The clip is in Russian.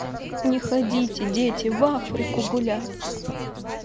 не ходите дети в африку гулять